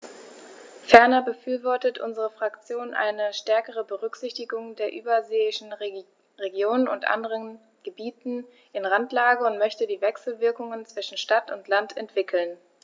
Ferner befürwortet unsere Fraktion eine stärkere Berücksichtigung der überseeischen Regionen und anderen Gebieten in Randlage und möchte die Wechselwirkungen zwischen Stadt und Land entwickeln.